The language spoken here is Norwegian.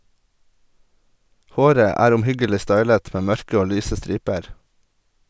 Håret er omhyggelig stylet med mørke og lyse striper.